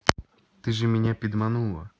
ты же меня пидманула